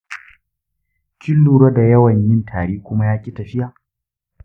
kin lura da yawan yin tari kuma yaki tafiya?